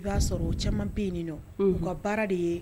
I b'a sɔrɔ o caman be yeni nɔ unhn u ka baara de yee